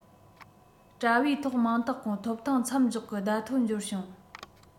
དྲ བའི ཐོག མིང རྟགས བཀོད ཐོབ ཐང མཚམས འཇོག གི བརྡ ཐོ འབྱོར བྱུང